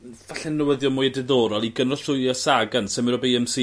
dd- falle'n newyddion mwya diddorol i gynorthwyo Sagan symud o Bee Em See...